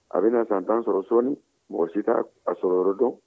a bɛna san tan sɔrɔ sɔɔni mɔgɔ si tɛ a sɔrɔyɔrɔ dɔn